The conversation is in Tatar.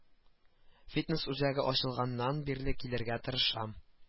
Фитнес үзәге ачылганнан бирле килергә тырышам